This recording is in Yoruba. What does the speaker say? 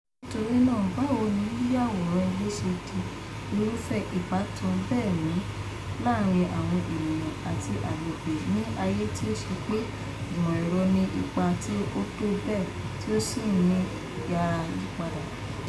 Nítorí náà báwo ní yíyàwòrán ilé ṣe di irúfẹ́ ìbátan bẹ́ẹ̀ mú láàárín àwọn ènìyàn àti agbègbè ní ayé tí ó ṣe pé ìmọ̀ ẹ̀rọ ní ipa tó bẹ́ẹ̀ tí ó sì ń yára yípadà.